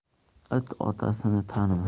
it otasini tanimas